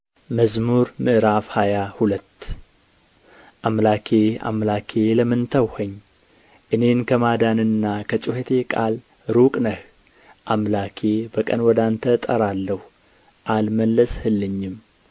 መዝሙር ምዕራፍ ሃያ ሁለት አምላኬ አምላኬ ለምን ተውኸኝ እኔን ከማዳንና ከጩኸቴ ቃል ሩቅ ነህ አምላኬ በቀን ወደ አንተ እጠራለሁ አልመለስህልኝም